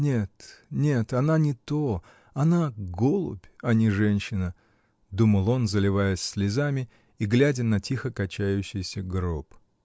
“Нет, нет, — она не то, она — голубь, а не женщина!” — думал он, заливаясь слезами и глядя на тихо качающийся гроб.